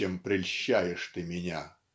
чем прельщаешь ты меня?")